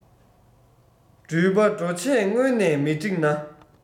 འགྲུལ པ འགྲོ ཆས སྔོན ནས མ བསྒྲིགས ན